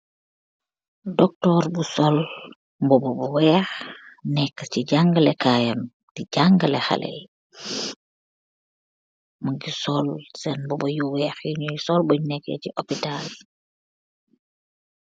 Doctorre bu sol mbuba bu wekh, neka chi jaaangaleh kaiyam, d jangaleh haleh yii, mungy sol sen mbuba yu wekh yii njiiiy sol bungh nekeh chi ohhpital yii .